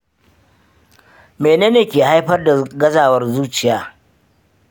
menene ke haifar da gazawar zuciya?